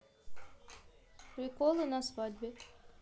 приколы на свадьбе